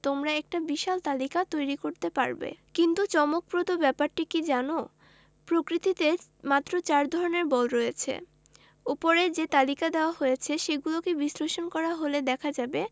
তোমরা একটা বিশাল তালিকা তৈরি করতে পারবে কিন্তু চমকপ্রদ ব্যাপারটি কী জানো প্রকৃতিতে মাত্র চার ধরণের বল রয়েছে ওপরে যে তালিকা দেওয়া হয়েছে সেগুলোকে বিশ্লেষণ করা হলে দেখা যাবে